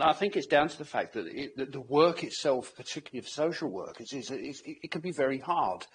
and I think it's down to the fact that i- that the work itself particularly for social work is is i- is i- it can be very hard